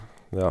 Ja.